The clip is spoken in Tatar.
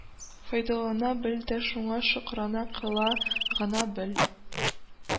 Файдалана бел дә шуңа шөкрана кыла гына бел